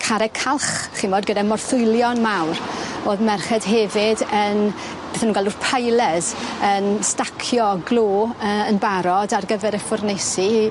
carreg calch chi'mod gyda morthwylion mawr. O'dd merched hefyd yn beth o' nw'n galw pilers yn stacio glo yy yn barod ar gyfer y ffwrneisi.